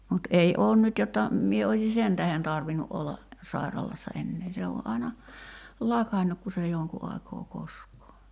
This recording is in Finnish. mutta ei ole nyt jotta minä olisin sen tähden tarvinnut olla sairaalassa enää se on aina lakannut kun se jonkun aikaa koskee